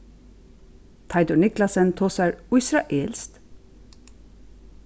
teitur niclasen tosar ísraelskt